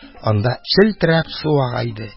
Анда, челтерәп, су ага иде.